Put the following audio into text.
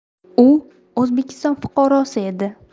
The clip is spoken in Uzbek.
u o'zbekiston fuqarosi edi